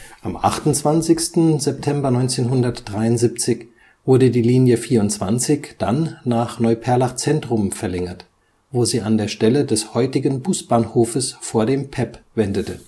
Am 28. September 1973 wurde die Linie 24 dann nach Neuperlach Zentrum verlängert, wo sie an der Stelle des heutigen Busbahnhofes vor dem pep wendete